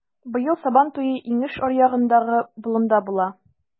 Быел Сабантуе инеш аръягындагы болында була.